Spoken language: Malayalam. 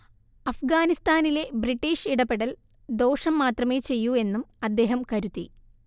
അഫ്ഗാനിസ്താനിലെ ബ്രിട്ടീഷ് ഇടപെടൽ ദോഷം മാത്രമേ ചെയ്യൂ എന്നും അദ്ദേഹം കരുതി